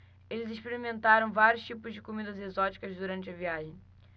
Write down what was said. eles experimentaram vários tipos de comidas exóticas durante a viagem